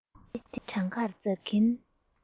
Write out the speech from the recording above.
གྲིལ ཏེ བྲང ཁར འཛག གིན